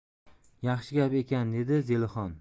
yaxshi gap ekan dedi zelixon